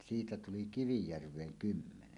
siitä tuli Kivijärveen kymmenen